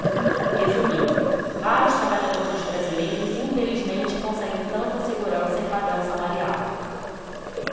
resumindo raros trabalhadores brasileiros infelizmente conseguem tanta segurança e padrão salarial